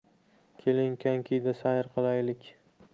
keling konkida sayr qilaylik